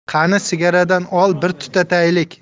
qani sigaradan ol bir tutataylik